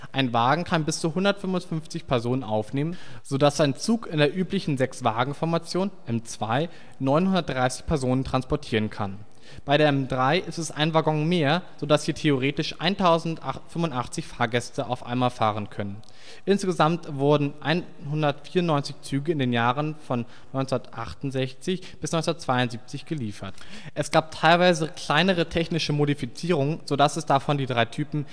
Ein Wagen kann bis zu 155 Personen aufnehmen, sodass ein Zug in der üblichen Sechs-Wagen-Formation (M2) 930 Personen transportieren kann. Bei der M3 ist es ein Waggon mehr, sodass hier theoretisch 1.085 Fahrgäste auf einmal fahren können. Insgesamt wurden 194 Züge in den Jahren von 1968 bis 1972 geliefert. Es gab teilweise kleinere technische Modifizierungen, sodass es davon die drei Typen